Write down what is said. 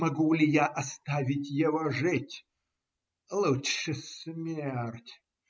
Могу ли я оставить его жить? Лучше смерть.